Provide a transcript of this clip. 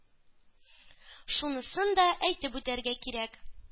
Шунысын да әйтеп үтәргә кирәк: